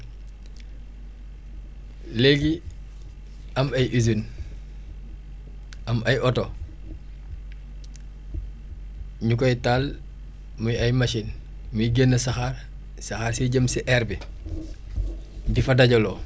léegi am ay usines am ay oto ñu koy taal muy ay machines muy génne saxaar saxaar siy jëm si air bi di fa dafaloo